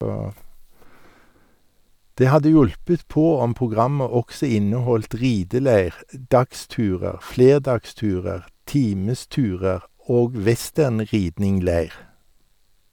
Det hadde hjulpet på om programmet også inneholdt rideleir, dagsturer, flerdagsturer, timesturer og westernridning-leir.